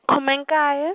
khume nkaye.